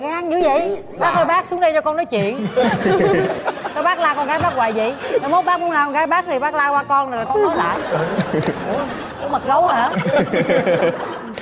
gan dữ dậy bác ơi bác xuống dây cho con nói chuyện sao bác la con gái bác hoài dậy mai mốt bác muốn la con gái bác thì bác lại qua con rồi con nói lại ủa uống mật gấu hả